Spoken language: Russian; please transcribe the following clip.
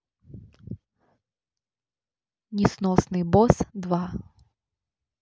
несносный босс два